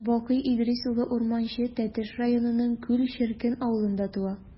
Бакый Идрис улы Урманче Тәтеш районының Күл черкен авылында туа.